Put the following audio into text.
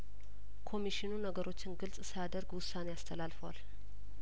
ኮሚሽኑ ነገሮችን ግልጽ ሳያደርግ ውሳኔ አስተላልፏል